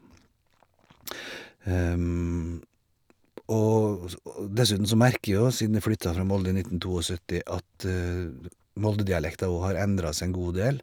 og også Og dessuten så merker jeg jo siden jeg flytta fra Molde i nitten to og sytti at Moldedialekta òg har endra seg en god del.